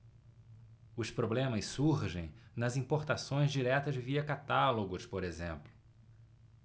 os problemas surgem nas importações diretas via catálogos por exemplo